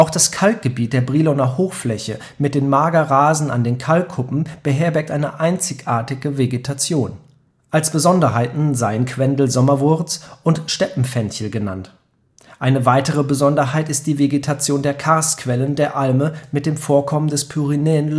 das Kalkgebiet der Briloner Hochfläche mit den Magerrasen an den Kalkkuppen beherbergt eine einzigartige Vegetation. Als Besonderheiten seien Quendel-Sommerwurz (Orobanche alba) und Steppenfenchel (Seseli annuum) genannt. Eine weitere Besonderheit ist die Vegetation der Karstquellen der Alme mit dem Vorkommen des Pyrenäen-Löffelkrauts